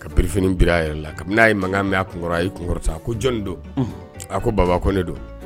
Ka bererif bi yɛrɛ la ka n'a ye mankan mɛn a kun kɔrɔ a'i kun kɔrɔ a ko jɔnni don a ko baba ko ne do